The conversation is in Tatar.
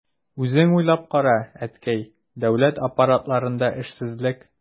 Үзең уйлап кара, әткәй, дәүләт аппаратларында эшсезлек...